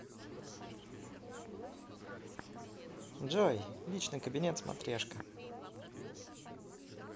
джой личный кабинет смотрешка